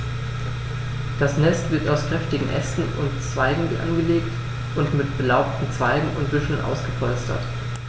Das Nest wird aus kräftigen Ästen und Zweigen angelegt und mit belaubten Zweigen und Büscheln ausgepolstert.